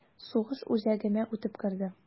Сугыш үзәгемә үтеп керде...